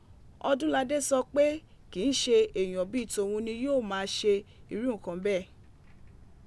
Odunlade sọ pe kii ṣe eeyan bi t'oun ni yoo ma a ṣe iru nkan bẹẹ.